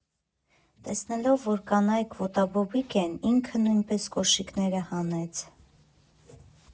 Տեսնելով, որ կանայք ոտաբոբիկ են, ինքը նույնպես կոշիկները հանեց։